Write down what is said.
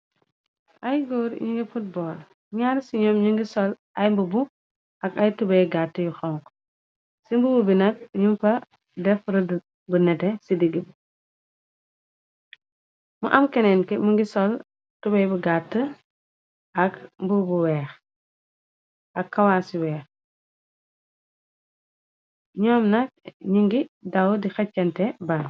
Ay góor yi ngi football ñaar ci ñoom ñu ngi sol ay mbubu ak ay tubay gatt yu xonk ci mbubu bi nag ñu fa def rëd gu nete ci digg bimu amkeenk kwaci weex ñoom nak ñi ngi daw di xeccante baan.